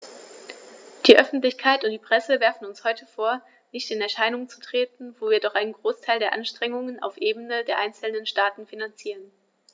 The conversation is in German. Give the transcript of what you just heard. Die Öffentlichkeit und die Presse werfen uns heute vor, nicht in Erscheinung zu treten, wo wir doch einen Großteil der Anstrengungen auf Ebene der einzelnen Staaten finanzieren.